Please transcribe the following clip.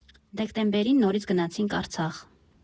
Դեկտեմբերին նորից գնացինք Արցախ։